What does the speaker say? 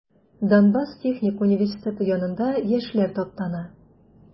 Донбасс техник университеты янында яшьләр таптана.